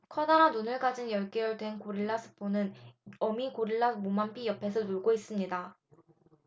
커다란 눈을 가진 열 개월 된 고릴라 소포는 어미 고릴라 모팜비 옆에서 놀고 있습니다